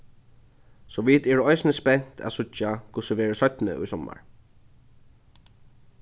so vit eru eisini spent at síggja hvussu verður seinni í summar